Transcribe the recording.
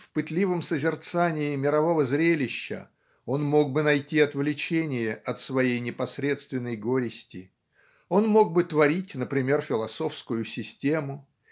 в пытливом созерцании мирового зрелища он мог бы найти отвлечение от своей непосредственной горести он мог бы творить например философскую систему